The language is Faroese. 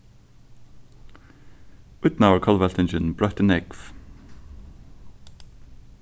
ídnaðarkollveltingin broytti nógv